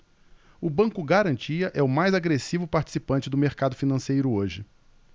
o banco garantia é o mais agressivo participante do mercado financeiro hoje